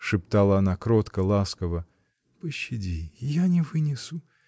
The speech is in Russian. — шептала она кротко, ласково. — Пощади, — я не вынесу.